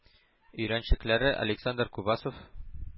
Өйрәнчекләре александр кубасов